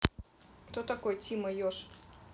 кто такой тима еж